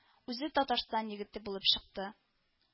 Үзе татарстан егете булып чыкты